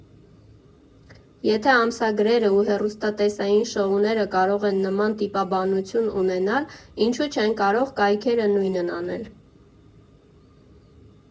Եթե ամսագրերն ու հեռուստատեսային շոուները կարող են նման տիպաբանություն ունենալ, ինչո՞ւ չեն կարող կայքերը նույնն անել։